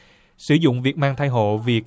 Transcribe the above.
sử dụng việc mang thai hộ vì